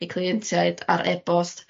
i cleientiaid ar e-bost